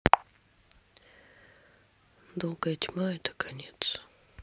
долгая тьма это конец